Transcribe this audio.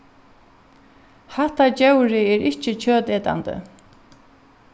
hatta djórið er ikki kjøtetandi